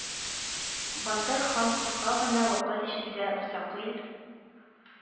Батыр хан кыска гына вакыт эчендә мөстәкыйль